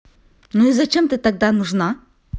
ну и зачем ты тогда нужна